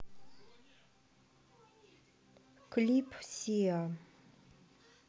клип сиа